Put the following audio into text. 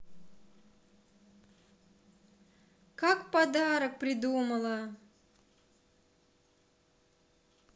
как подарок придумала